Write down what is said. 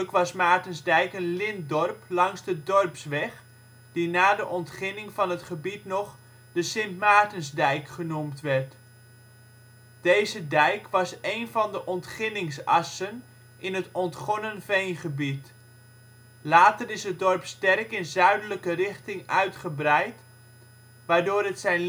was Maartensdijk een lintdorp langs de Dorpsweg (die na de ontginning van het gebied nog " de Sint Maartensdijk " genoemd werd). Deze dijk was één van de ontginningsassen in het ontgonnen veengebied. Later is het dorp sterk in zuidelijke richting uitgebreid, waardoor het zijn